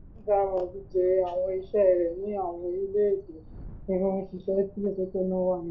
Gem Diamonds ti jèrè àwọn iṣẹ́ rẹ̀ ní àwọn orílẹ̀-èdè tí ó ti ń ṣiṣẹ́, tí Lesotho náà wà níbẹ̀.